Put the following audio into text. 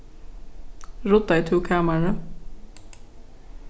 ruddaði tú kamarið